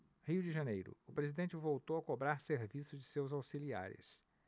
rio de janeiro o presidente voltou a cobrar serviço de seus auxiliares